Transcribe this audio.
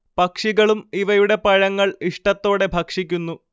പക്ഷികളും ഇവയുടെ പഴങ്ങൾ ഇഷ്ടത്തോടെ ഭക്ഷിക്കുന്നു